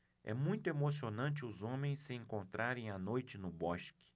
é muito emocionante os homens se encontrarem à noite no bosque